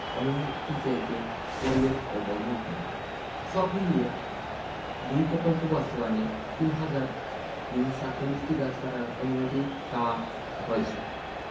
অনুমতি চেয়েছে পরিবেশ ও বন মন্ত্রণালয় সব মিলিয়ে দুই প্রকল্প বাস্তবায়নে ৩হাজার ২৪৭টি গাছ কাটার অনুমতি চাওয়া হয়েছে